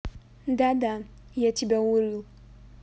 да да я тебя урыл